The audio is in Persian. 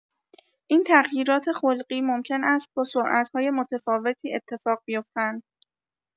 این تغییرات خلقی ممکن است با سرعت‌های متفاوتی اتفاق بیفتند.